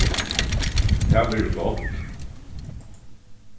tað verður gott